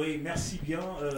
Bon nasi diya